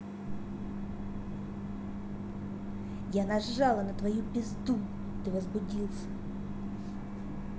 я нажала на твою пизду ты возбудился